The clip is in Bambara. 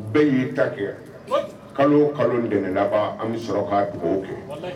Bɛɛ y'i ta kɛ kalo kalo ntɛnɛnnaba an bɛ sɔrɔ k' dugaw kɛ